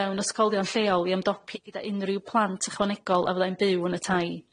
fewn ysgolion lleol i ymdopi gyda unrhyw plant ychwanegol a fyddai'n byw yn y tai.